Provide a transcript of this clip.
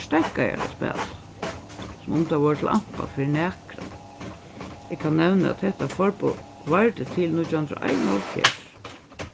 steðgaðar at spæla sum um tær vóru til ampa fyri nakran eg kann nevna at hetta forboð vardi til nítjan hundrað og einoghálvfjerðs